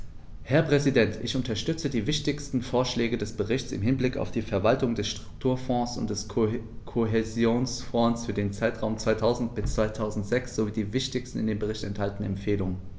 Herr Präsident, ich unterstütze die wichtigsten Vorschläge des Berichts im Hinblick auf die Verwaltung der Strukturfonds und des Kohäsionsfonds für den Zeitraum 2000-2006 sowie die wichtigsten in dem Bericht enthaltenen Empfehlungen.